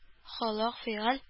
Холык-фигыль